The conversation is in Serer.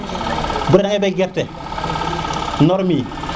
bude dengey bay gerte norme yi